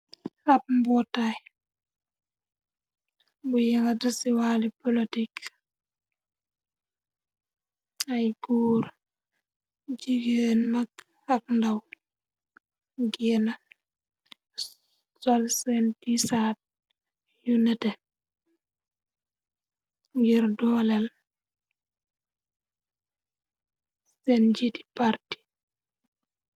Ab mboutaay buy yengatu ci wallu polotik, ay guur, jigeen, mag, ak ndaw. Géena sol seen tisaat yu nete, ngir doolel seen njiiti parti.